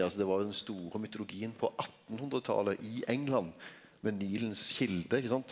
altså det var jo den store mytologien på attenhundretalet i England med Nilens kjelde ikkje sant.